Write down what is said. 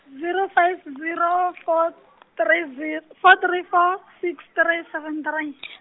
zero five zero four three zer- four three four six three seven three .